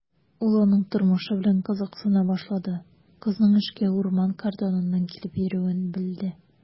Ул аның тормышы белән кызыксына башлады, кызның эшкә урман кордоныннан килеп йөрүен белде.